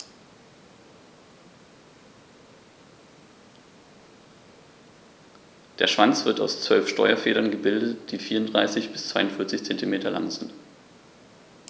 Der Schwanz wird aus 12 Steuerfedern gebildet, die 34 bis 42 cm lang sind.